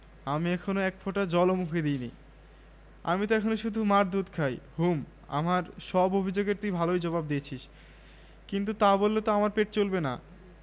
পাশের বাসার জানালা দিয়ে দুএকটি কৌতুহলী চোখ কি হচ্ছে দেখতে চেষ্টা করবে রাবেয়া বললো আমি আবার বলবো বেশ কি হয় বললে আমি কাতর গলায় বললাম সে ভারী লজ্জা রাবেয়া